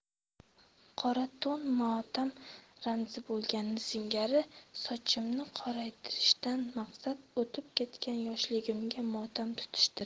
qora to'n motam ramzi bo'lgani singari sochimni qoraytirishdan maqsad o'tib ketgan yoshligimga motam tutishdir